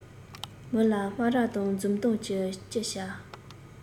མི ལ སྨ ར དང འཛུམ མདངས ཀྱིས ཅི བྱ